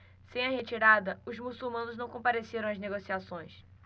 sem a retirada os muçulmanos não compareceram às negociações